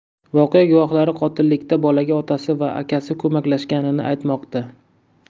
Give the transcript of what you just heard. voqea guvohlari qotillikda bolaga otasi va akasi ko'maklashganini aytmoqda